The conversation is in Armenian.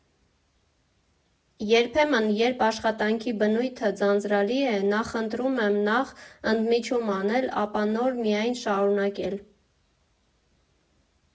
Երբեմն, երբ աշխատանքի բնույթը ձանձրալի է, նախընտրում եմ նախ ընդմիջում անել, ապա նոր միայն շարունակել։